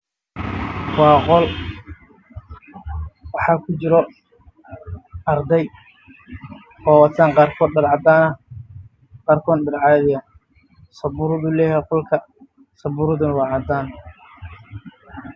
Waa qol waxaa ku jira ardayda wataan. Dhar cadaan ah